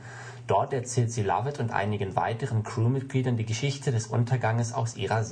einigen weiteren Crew-Mitgliedern die Geschichte des Unterganges aus ihrer